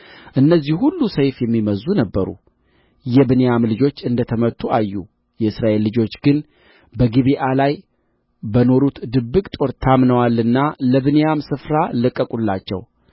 እነዚህ ሁሉ ሰይፍ የሚመዝዙ ነበሩ የብንያም ልጆች እንደ ተመቱ አዩ የእስራኤል ልጆች ግን በጊብዓ ላይ ባኖሩት ድብቅ ጦር ታምነዋልና ለብንያም ስፍራ ለቀቁላቸው